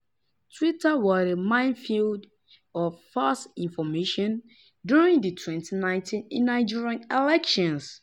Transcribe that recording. Twitter was a minefield of false information during the 2019 Nigerian elections